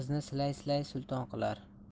silay silay sulton qilar